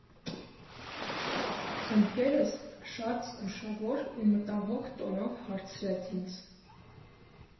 Ընկերս շատ զգուշավոր ու մտահոգ տոնով հարցրեց ինձ.